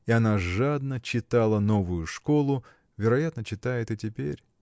И она жадно читала новую школу, вероятно, читает и теперь.